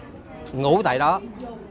ngủ tại đó